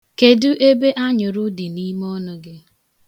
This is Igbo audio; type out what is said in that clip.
Kedu ebe anyụrụ dị n'ime ọnụ gị?